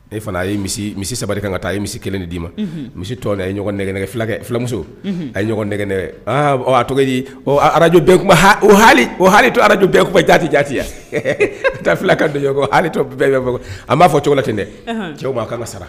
E fana a ye misi misi saba ka taa ye misi kelen de d'i ma misi tɔn ye ɲɔgɔngɛ fulakɛ filamuso a ye ɲɔgɔn nɛgɛgɛ a tɔgɔji araj o o hali to ala araj bɛɛ ja jate a taa filakan donkɔ hali to bɛɛ bɛ a b'a fɔ cogo la ten dɛ cɛw'a kan ka sara